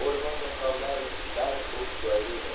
o'rmon va tog'lar bari o'z joyida edi